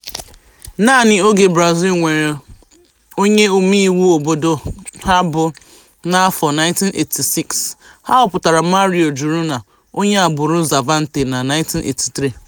Naanị oge Brazil nwere onye omeiwu obodo ha bụ n'afọ 1986 — a họpụtara Mario Juruna, onye agbụrụ Xavante, na 1983.